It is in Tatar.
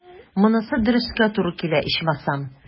Монысы дөрескә туры килә, ичмасам.